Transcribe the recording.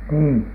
niin